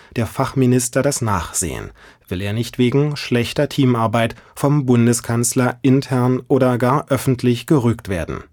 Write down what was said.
der Fachminister das Nachsehen, will er nicht wegen „ schlechter Teamarbeit “vom Bundeskanzler intern oder gar öffentlich gerügt werden